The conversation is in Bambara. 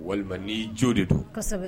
Walima ni' jo de don